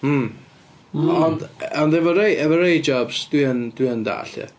Mm. Ond, ond efo rhei efo rhei jobs dwi yn dwi yn dallt ia.